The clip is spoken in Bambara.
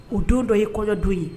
O don dɔ ye kɔɲɔdon ye.